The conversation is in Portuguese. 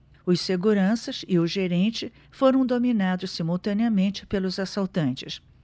os seguranças e o gerente foram dominados simultaneamente pelos assaltantes